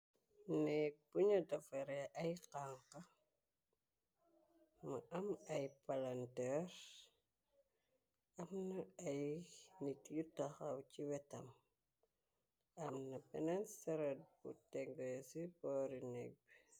Nekk bonu dafaree ay xanxa mu am ay palanters am na ay niit yu taxaw ci wetam amna benen sered bu tegge ci boori nekg bi.